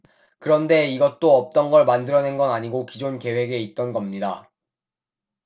그런데 이것도 없던걸 만들어낸건 아니고 기존 계획에 있는 겁니다